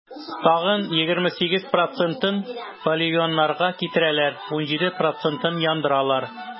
Тагын 28 процентын полигоннарга китерәләр, 17 процентын - яндыралар.